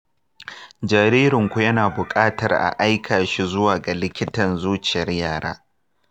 jaririn ku yana buƙatar a aika shi zuwa ga likitan zuciyar yara.